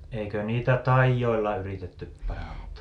eikö niitä taioilla yritetty parantaa